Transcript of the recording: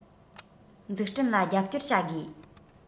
འཛུགས སྐྲུན ལ རྒྱབ སྐྱོར བྱ དགོས